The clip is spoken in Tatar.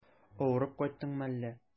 Авырып кайттыңмы әллә?